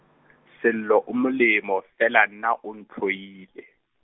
Sello o molemo, fela nna o ntlhoile.